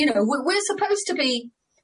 You know we're supposed to be